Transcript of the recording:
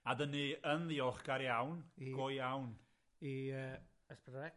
A 'dan ni yn ddiolchgar iawn, go iawn, i yy… Es Pedwar Ec.